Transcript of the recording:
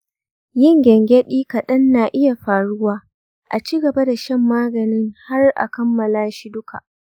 yin gyangyaɗi kaɗan na iya faruwa, a ci gaba da shan maganin har a kammala shi duka.